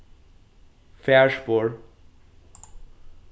farspor